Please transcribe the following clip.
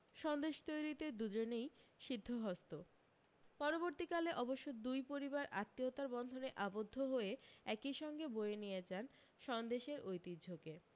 সন্দেশ তৈরীতে দুজনেই সিদ্ধহস্ত পরবর্তীকালে অবশ্য দুই পরিবার আত্মীয়তার বন্ধনে আবদ্ধ হয়ে একি সঙ্গে বয়ে নিয়ে যান সন্দেশের ঐতিহ্যকে